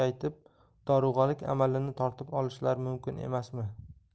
aytib dorug'alik amalini tortib olishlari mumkin emasmi